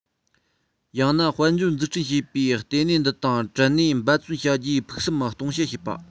ཡང ན དཔལ འབྱོར འཛུགས སྐྲུན ཞེས པའི ལྟེ གནད འདི དང བྲལ ནས འབད བརྩོན བྱ རྒྱུའི ཕུགས བསམ སྟོང བཤད བྱེད པ